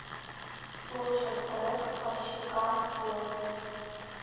слушать трек по щекам слезы